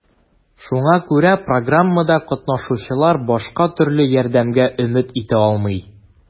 Шуңа күрә программада катнашучылар башка төрле ярдәмгә өмет итә алмый.